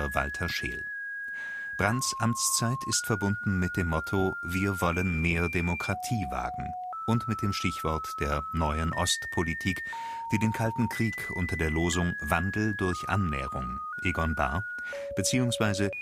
Walter Scheel (FDP). Brandt mit Willi Stoph am 19. März 1970 in Erfurt Denkmal mit Plakette, die Brandts Kniefall darstellt, auf dem Warschauer Willy-Brandt-Platz Willy Brandts Urkunde für den Friedensnobelpreis 1971 im Haus der Geschichte in Bonn Brandts Amtszeit ist verbunden mit dem Motto „ Wir wollen mehr Demokratie wagen “und mit dem Stichwort der „ Neuen Ostpolitik “, die den Kalten Krieg unter der Losung „ Wandel durch Annäherung “(Egon Bahr) bzw.